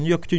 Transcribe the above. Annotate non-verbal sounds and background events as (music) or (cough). (breath) (hesitation) (hesitation)